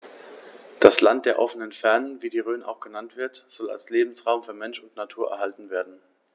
Das „Land der offenen Fernen“, wie die Rhön auch genannt wird, soll als Lebensraum für Mensch und Natur erhalten werden.